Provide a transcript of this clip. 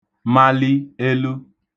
mali (elu)